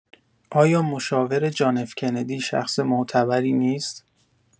آیا مشاور جان اف کندی شخص معتبری نیست؟